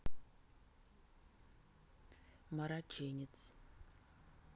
мороченец